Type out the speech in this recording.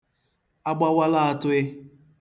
agbawalaatụ̄ị̄